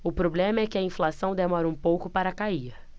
o problema é que a inflação demora um pouco para cair